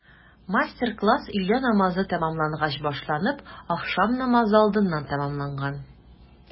Мастер-класс өйлә намазы тәмамлангач башланып, ахшам намазы алдыннан тәмамланган.